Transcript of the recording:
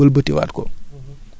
ba yeneen fukki fan ak juróom